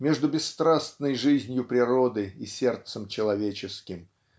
между бесстрастной жизнью природы и сердцем человеческим.